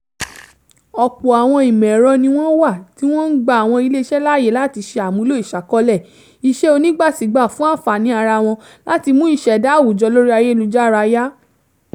Ọ̀pọ̀ àwọn ìmọ̀-ẹ̀rọ ni wọ́n wà tí wọ́n ń gba àwọn ilé-iṣẹ́ láàyè láti ṣe àmúlò ìṣàkọọ́lẹ̀ isẹ́ onígbàsígbà fún àǹfààní ara wọn láti mú ìṣẹ̀dá àwùjọ lórí ayélujára yá.